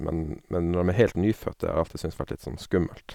men Men når dem er helt nyfødt, det har jeg alltid syntes vært litt sånn skummelt.